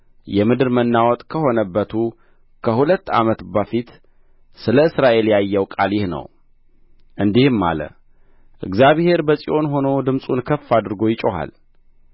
የምድር መናወጥ ከሆነበቱ ከሁለት ዓመት በፊት ስለ እስራኤል ያየው ቃል ይህ ነው እንዲህም አለ እግዚአብሔር በጽዮን ሆኖ ድምፁን ከፍ አድርጎ ይጮኻል